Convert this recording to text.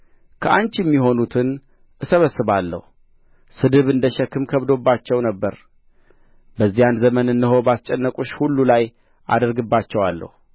ከአንቺም የሆኑትን እሰበስባለሁ ስድብ እንደ ሸክም ከብዶባቸው ነበር በዚያ ዘመን እነሆ ባስጨነቁሽ ሁሉ ላይ አደርግባቸዋለሁ አ